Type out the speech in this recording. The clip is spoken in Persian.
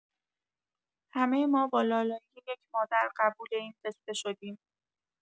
همه ما با لالایی یک مادر قبول این قصه شدیم.